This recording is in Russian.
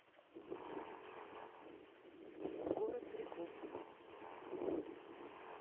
город грехов